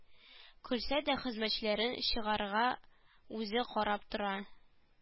Көлсә дә хезмәтчеләрен чыгара үзе карап тора